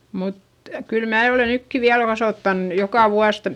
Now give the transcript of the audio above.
mutta kyllä minä olen nytkin vielä kasvattanut joka vuosi